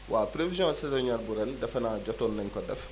waaw prévision saisonière bu ren defe naa jotoon nañu ko def